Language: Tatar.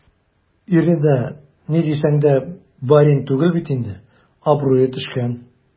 Ире дә, ни дисәң дә, барин түгел бит инде - абруе төшкән.